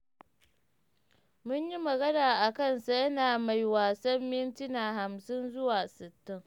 “Mun yi magana a kansa yana mai wasan mintina 55, 60.